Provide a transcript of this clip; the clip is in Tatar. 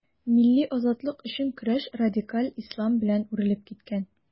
Милли азатлык өчен көрәш радикаль ислам белән үрелеп киткән.